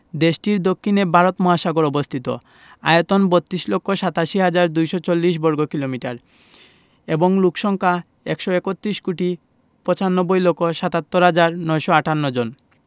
দেশটির দক্ষিণে ভারত মহাসাগর অবস্থিত আয়তন ৩২ লক্ষ ৮৭ হাজার ২৪০ বর্গ কিমি এবং লোক সংখ্যা ১৩১ কোটি ৯৫ লক্ষ ৭৭ হাজার ৯৫৮ জন